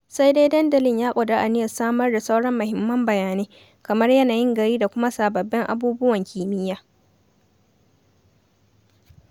Sai dai dandalin ya ƙudiri aniyar samar da sauran muhimman bayanai, kamar yanayin gari da kuma sababbin abubuwan kimiyya.